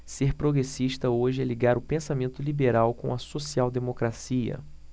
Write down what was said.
ser progressista hoje é ligar o pensamento liberal com a social democracia